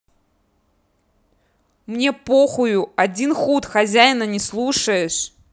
мне похую один худ хозяина не слушаешь